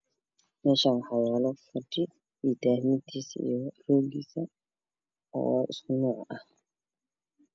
Meeshaan waxaa yaalo fadhi iyo daahmankiisa iyo roogiisa oo isku nooc ah